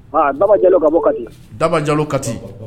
Aa dabajalo ka bɔ kadi dabajalo ka di